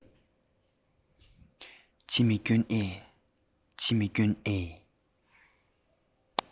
ཅི མི སྐྱོན ཨེ ཅི མི སྐྱོན ཨེ